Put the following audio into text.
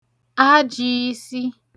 ajīisi